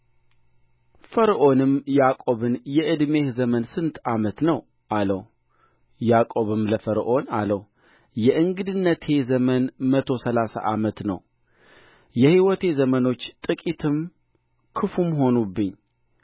ፈርዖንም ያዕቆብን የዕድሜህ ዘመን ስንት ዓመት ነው አለው ያዕቆብም ለፈርዖን አለው የእንግድነቴ ዘመን መቶ ሠላሳ ዓመት ነው የሕይወቴ ዘመኖች ጥቂትም ክፉም ሆኑብኝ